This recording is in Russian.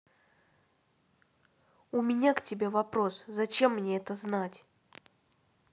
у меня к тебе вопрос зачем мне это знать